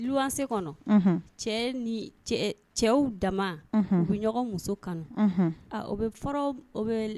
Luwase kɔnɔ cɛ ni cɛw dama' ɲɔgɔn muso kanu bɛ